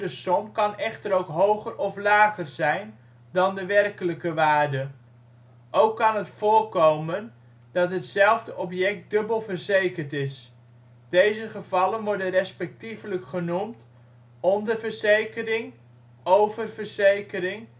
som kan echter ook hoger of lager zijn dan de werkelijke waarde. Ook kan het voorkomen dat hetzelfde object dubbel verzekerd is. Deze gevallen worden respectievelijk genoemd: onderverzekering; oververzekering